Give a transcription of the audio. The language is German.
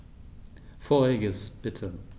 Vorheriges bitte.